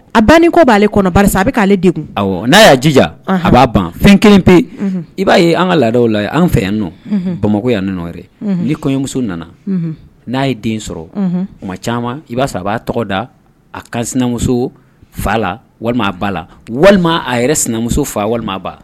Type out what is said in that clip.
A ban ni kɔ b'ale kɔnɔ ba a bɛ'ale de n'a y'a jija a b'a ban fɛn kelen pe yen i b'a ye an ka laadaw la an fɛ yan n nɔ bamakɔ yan n ni kɔɲɔmuso nana n'a ye den sɔrɔ o ma caman i b'a a b'a tɔgɔ da a ka sinamuso fa la walima a ba la walima a yɛrɛ sinamuso faa walima a ba